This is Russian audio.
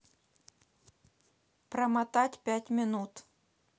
промотать пять минут